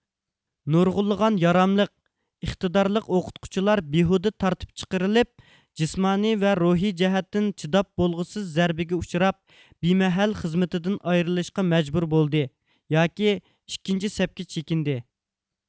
نۇرغۇنلىغان ياراملىق ئىقتىدارلىق ئوقۇتقۇچىلار بىھۇدە تارتىپ چىقىرىلىپ جىسمانىي ۋە روھىي جەھەتتىن چىداپ بولغۇسىز زەربىگە ئۇچراپ بىمەھەل خىزمىتىدىن ئايرىلىشقا مەجبۇر بولدى ياكى ئىككىنچى سەپكە چېكىندى